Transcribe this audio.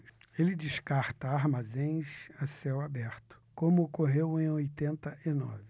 ele descarta armazéns a céu aberto como ocorreu em oitenta e nove